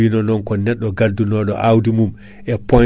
ha wone rafiji kewɗi wasa hebde ɗum